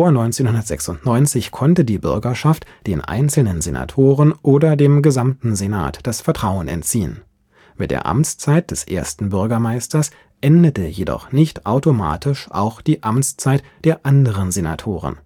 1996 konnte die Bürgerschaft den einzelnen Senatoren oder dem gesamten Senat das Vertrauen entziehen; mit der Amtszeit des Ersten Bürgermeisters endete jedoch nicht automatisch auch die Amtszeit der anderen Senatoren